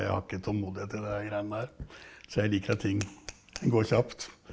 jeg har ikke tålmodighet til det greiene der så jeg liker at ting går kjapt.